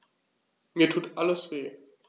Mir tut alles weh.